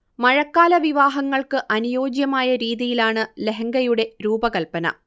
മഴക്കാല വിവാഹങ്ങൾക്ക് അനുയോജ്യമായ രീതിയിലാണ് ലഹങ്കയുടെ രൂപകല്പന